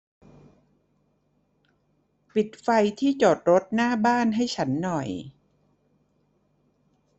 ปิดไฟที่จอดรถหน้าบ้านให้ฉันหน่อย